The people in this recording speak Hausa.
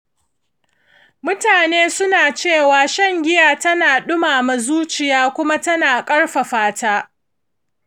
mutane suna cewa shan giya tana dumama zuciya kuma tana ƙarfafa ta.